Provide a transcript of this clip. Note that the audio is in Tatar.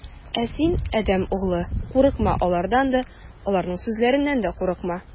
Ә син, адәм углы, курыкма алардан да, аларның сүзләреннән дә курыкма.